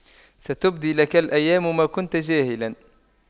ستبدي لك الأيام ما كنت جاهلا